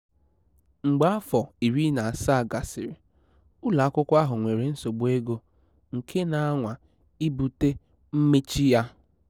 Mgbe afọ 17 gasịrị, ụlọakwụkwọ ahụ nwere nsogbu ego nke na-anwa ibute mmechi ya.